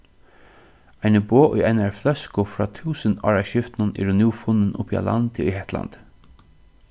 eini boð í einari fløsku frá túsundáraskiftinum er nú funnin uppi á landi í hetlandi